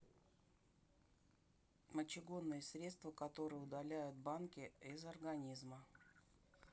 мочегонные средства которые удаляют банке из организма